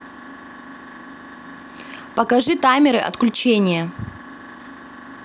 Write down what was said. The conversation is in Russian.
покажи таймеры отключения